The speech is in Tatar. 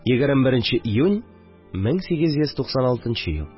21 нче июнь, 1896 ел